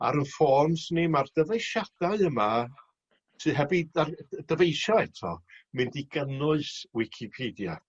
Ar 'y ffons ni ma'r dyfeisiadau yma sy heb 'u dar- yy dyfeisio eto mynd i gynnwys wicipedia.